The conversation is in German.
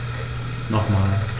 Nochmal.